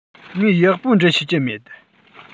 ངས ཡག པོ འབྲི ཤེས ཀྱི མེད